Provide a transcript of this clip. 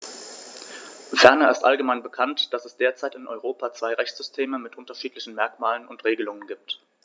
Ferner ist allgemein bekannt, dass es derzeit in Europa zwei Rechtssysteme mit unterschiedlichen Merkmalen und Regelungen gibt.